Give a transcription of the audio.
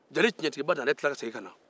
jeli tiɲɛtigiba dantɛ tilala ka segin ka na